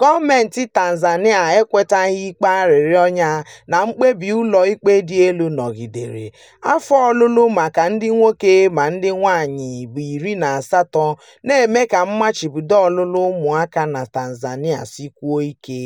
gọọmentị Tanzania enwetaghị ikpe arịrịọ ya ma mkpebi ụlọ ikpe dị elu nọgidere: Afọ ọlụlụ maka ma ndị nwoke ma ndị nwaanyị bụ 18, na-eme ka mmachibido ọlụlụ ụmụaka na Tanzania sikwuo ike.